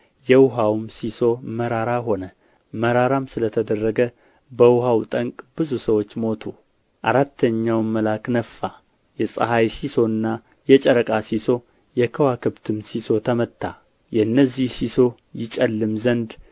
የውኃውም ሲሶ መራራ ሆነ መራራም ስለተደረገ በውኃው ጠንቅ ብዙ ሰዎች ሞቱ አራተኛውም መልአክ ነፋ የፀሐይ ሲሶና የጨረቃ ሲሶ የከዋክብትም ሲሶ ተመታ የእነዚህ ሲሶ ይጨልም ዘንድ